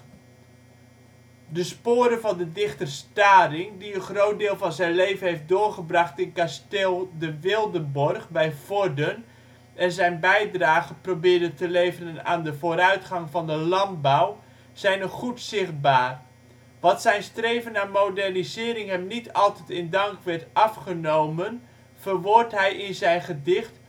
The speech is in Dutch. De sporen van de dichter Staring, die een groot deel van zijn leven heeft doorgebracht op kasteel De Wildenborch bij Vorden en zijn bijdrage probeerde te leveren aan de vooruitgang van de landbouw, zijn nog goed zichtbaar. Dat zijn streven naar modernisering hem niet altijd in dank werd afgenomen, verwoordt hij in zijn gedicht